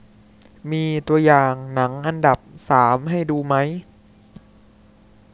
มีตัวอย่างหนังอันดับสามให้ดูไหม